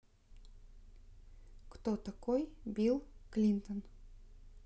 кто такой билл клинтон